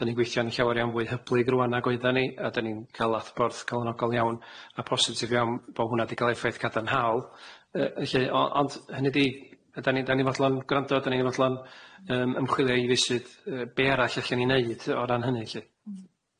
Dan ni'n gweithio'n llawer iawn fwy hyblyg rŵan nag oeddan ni a dan ni'n ca'l athborth calonogol iawn a positif iawn bo' hwnna di ca'l effaith cadarnhaol yy lly o- ond hynny di a dan ni'n dan ni'n fathlon gwrando a dan ni'n fathlon yym ymchwilio i faesydd yy be' arall allan i neud o ran hynny lly.